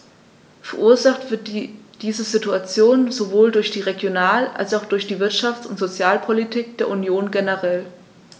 Verursacht wird diese Situation sowohl durch die Regional- als auch durch die Wirtschafts- und Sozialpolitik der Union generell.